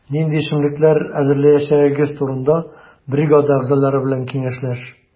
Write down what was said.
Нинди эчемлекләр әзерләячәгегез турында бригада әгъзалары белән киңәшләш.